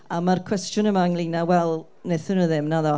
a ma'r cwestiwn yma ynglyn â, wel, wnaethon nhw ddim, naddo.